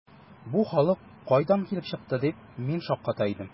“бу халык кайдан килеп чыкты”, дип мин шакката идем.